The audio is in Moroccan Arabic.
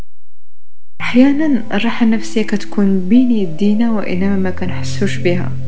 احيانا الراحه النفسيه تكون بين يدينه واذا ما كان حاسس بيها